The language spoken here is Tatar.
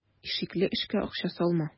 Шикле эшкә акча салма.